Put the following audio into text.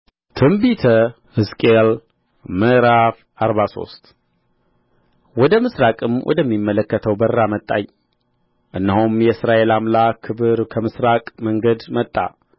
በትንቢተ ሕዝቅኤል ምዕራፍ አርባ ሶስት ወደ ምሥራቅም ወደሚመለከተው በር አመጣኝ እነሆም የእስራኤል አምላክ ክብር ከምሥራቅ መንገድ መጣ